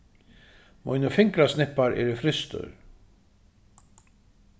mínir fingrasnippar eru frystir